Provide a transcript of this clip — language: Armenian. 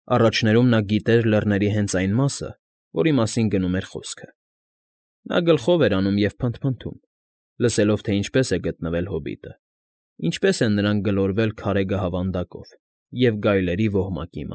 Առաջներում նա գիտեր լեռների հենց այն մասը, որի մասին գնում էր խոսքը… Նա գլխով էր անում և փնթփնթում, լսելով, թե ինչպես է գտնվել հոբիտը, ինչպես են նրանք գլորվել քարե գահավանդակով և գայլերի ոհմակի։